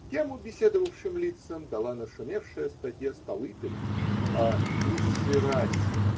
Тему беседовавшим лицам дала нашумевшая статья А. Столыпина о низшей расе.